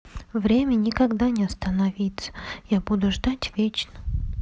время никогда не остановится я буду жить вечно